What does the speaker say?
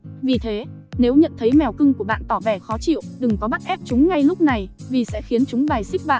vì thế nếu nhận thấy mèo cưng của bạn tỏ vẻ khó chịu đừng có bắt ép chúng ngay lúc này vì sẽ khiến chúng bài xích bạn